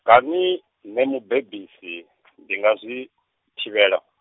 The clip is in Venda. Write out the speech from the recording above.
kani, nṋe mubebisi , ndi nga zwi, thivhela?